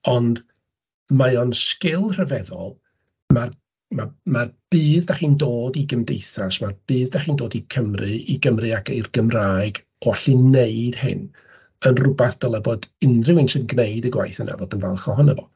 Ond mae o'n sgil rhyfeddol. Ma'r, ma'r, ma'r budd dach chi'n dod i gymdeithas, mae'r budd dach chi'n dod i Cymru, i Gymru ac i'r Gymraeg o allu wneud hyn, yn rywbeth dylai bod unrhywun sy'n gwneud y gwaith yna fod yn falch ohono fo.